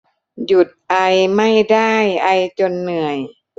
หยุดไอไม่ได้ไอจนเหนื่อย